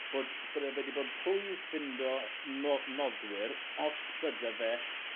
bod bydde fe 'di bod rhwydd ffindo no- noddwyr os bydde fe